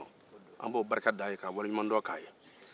an b'o barika da a ye k'a waleɲumandɔn kɛ a ye